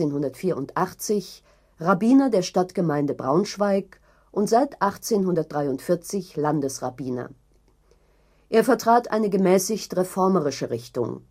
1884) Rabbiner der Stadtgemeinde Braunschweig und seit 1843 Landesrabbiner. Er vertrat eine gemäßigt reformerische Richtung